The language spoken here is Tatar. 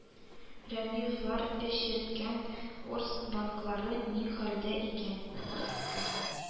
Рәмиевләр эш йөрткән Орск банклары ни хәлдә икән